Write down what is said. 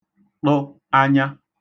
ṭụ anya